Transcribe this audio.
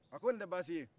a ko nin tɛ baasi ye